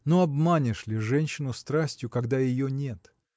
но обманешь ли женщину страстью, когда ее нет?